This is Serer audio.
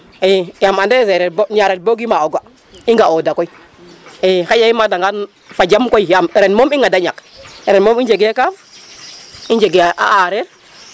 II yaam ande seereer ñaarel bo o gima o ga', i nga'ooda koy xaƴa i maadangan fa jam koy ren moom i ŋada ñak ren moom i njegee kaaf i njegee a aareer.